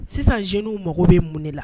Sisan senw mago bɛ mun de la